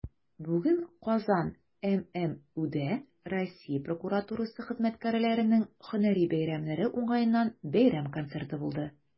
Бүген "Казан" ММҮдә Россия прокуратурасы хезмәткәрләренең һөнәри бәйрәмнәре уңаеннан бәйрәм концерты булды.